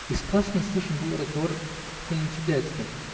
Из классной слышен был разговор в комнате дядьки.